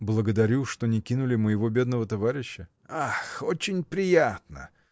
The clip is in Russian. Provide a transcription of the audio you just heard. — Благодарю, что не кинули моего бедного товарища. — Ах, очень приятно!